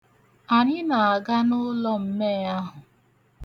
Anyị na-aga n'ụlọ mmee ahụ.